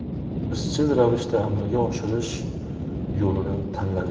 izchil ravishda amalga oshirish yo'lini tanladik